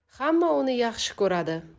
hamma uni yaxshi ko'radi